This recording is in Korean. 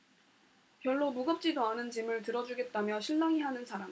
별로 무겁지도 않은 짐을 들어주겠다며 실랑이 하는 사람